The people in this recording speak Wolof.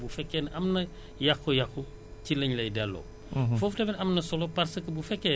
taw bi kese la ñu mun ne bu fekkee ne am na yàqu-yàqu ci lañ lay delloo